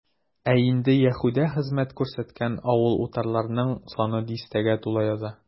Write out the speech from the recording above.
Ә инде Яһүдә хезмәт күрсәткән авыл-утарларның саны дистәгә тула яза.